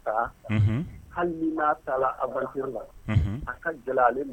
Hali min'a taara a man la a ka gɛlɛya ale